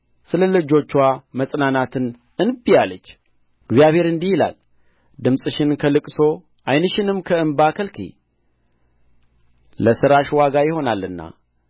ስለ ልጆችዋ መጽናናትን እንቢ አለች እግዚአብሔር እንዲህ ይላል ድምፅሽን ከልቅሶ ዓይንሽንም ከእንባ ከልክዪ ለሥራሽ ዋጋ ይሆናልና